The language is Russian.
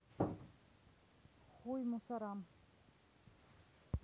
хуй мусорам